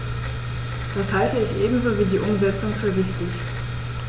Das halte ich ebenso wie die Umsetzung für wichtig.